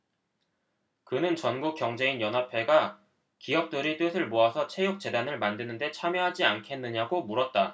그는 전국경제인연합회가 기업들의 뜻을 모아서 체육재단을 만드는 데 참여하지 않겠느냐고 물었다